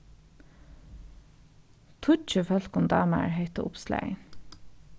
tíggju fólkum dámar hetta uppslagið